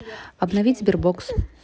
обновить sberbox